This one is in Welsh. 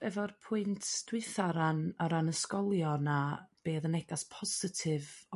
efo'r pwynt dwytha' o ran ar ran ysgolion a be o'dd y negas positif